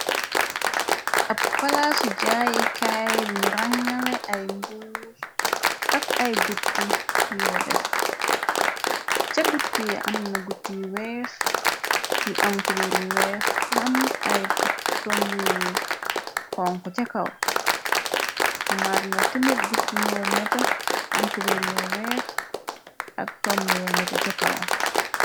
Ab palaasu jaayi kaay biñu rangale ay mbuor ak ay gutu yoo def ca gut yi amna gut yu weex yu am ku beer yu weex am ay bu tomb yu xonku ca kaw xamaarna timit gut yoo nete am ku beer yoo weex ak tomb yoo nete ca kaw.